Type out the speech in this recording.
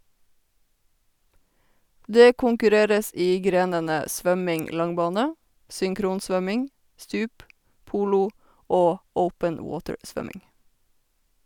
Det konkurreres i grenene svømming langbane, synkronsvømming, stup, polo og open water- svømming.